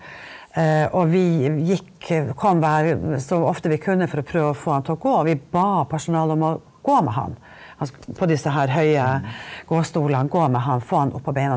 og vi gikk kom hver så ofte vi kunne for å prøve å få han til å gå, og vi ba personalet om å gå med han, på disse her høye gåstolene, gå med han, få han opp på beina.